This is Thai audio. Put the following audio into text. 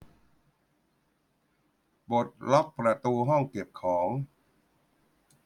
ปลดล็อกประตูห้องเก็บของ